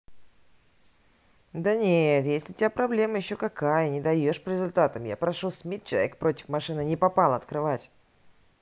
да нет есть ли у тебя проблема еще какая не даешь по результатам я прошу смит человек против машины не попало открывать